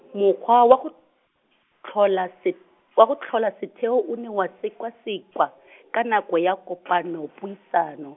mokgwa wa go, tlhola set- wa go tlhola setheo o ne wa sekwasekwa , ka nako ya kopanopuisano.